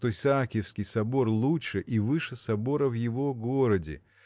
что Исакиевский собор лучше и выше собора в его городе